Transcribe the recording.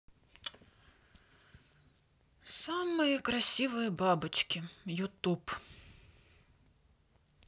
самые красивые бабочки ютуб